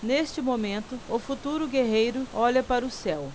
neste momento o futuro guerreiro olha para o céu